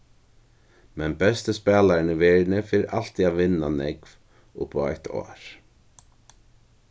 men besti spælarin í verðini fer altíð at vinna nógv upp á eitt ár